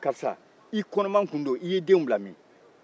aa karisa i kɔnɔman tun don i ye denw bila min